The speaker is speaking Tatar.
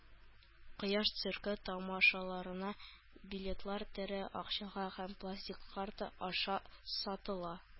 Кояш циркы тамашаларына билетлар “тере” акчага һәм пластик карта аша сатыла